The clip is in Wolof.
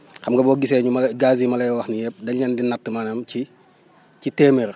xam nga boo gisee ñu may gaz yi ma lay wax nii yëpp dañ leen di natt maanaam ci ci téeméer